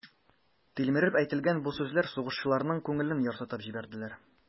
Тилмереп әйтелгән бу сүзләр сугышчыларның күңелен ярсытып җибәрделәр.